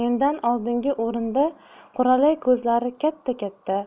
mendan oldingi o'rindiqda quralay ko'zlari katta katta